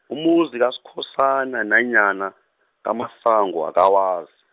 umuzi kaSkhosana nanyana, kaMasango akawazi.